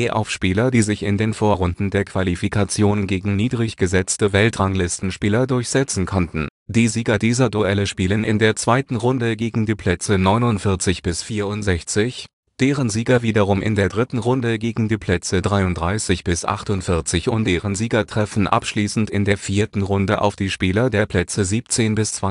auf Spieler die sich in den Vorrunden der Qualifikation gegen niedrig gesetzte Weltranglistenspieler durchsetzen konnten). Die Sieger dieser Duelle spielen in der zweiten Runde gegen die Plätze 49 bis 64, deren Sieger wiederum in der dritten Runde gegen die Plätze 33 bis 48 und deren Sieger treffen abschließend in der vierten Runde auf die Spieler der Plätze 17 bis 32.